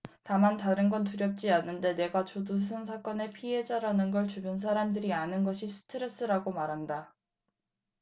다만 다른 건 두렵지 않은데 내가 조두순 사건의 피해자라는 걸 주변 사람들이 아는 것이 스트레스라고 말한다